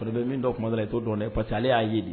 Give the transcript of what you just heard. Bɛ min dɔ tuma dɔ la i t'o dɔn parce que ale y'a ye de